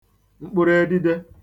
mkpụrụedide